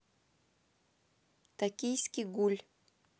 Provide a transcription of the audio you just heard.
токийский гуль